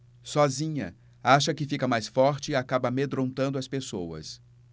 sozinha acha que fica mais forte e acaba amedrontando as pessoas